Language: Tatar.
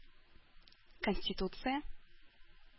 Конституция